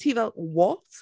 A ti fel, what?